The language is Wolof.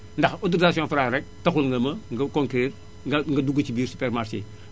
ndax autorisation Fra rekk taxul nga më nga conquérir nga dugg ci biir supermarché yi